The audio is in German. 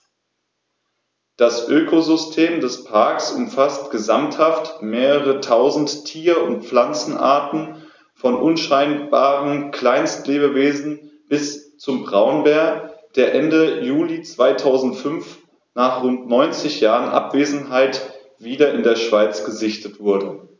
Das Ökosystem des Parks umfasst gesamthaft mehrere tausend Tier- und Pflanzenarten, von unscheinbaren Kleinstlebewesen bis zum Braunbär, der Ende Juli 2005, nach rund 90 Jahren Abwesenheit, wieder in der Schweiz gesichtet wurde.